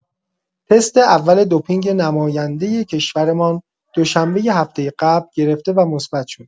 تست اول دوپینگ نماینده کشورمان دوشنبه هفته قبل، گرفته و مثبت شد.